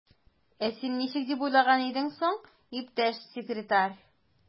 Ә син ничек дип уйлаган идең соң, иптәш секретарь?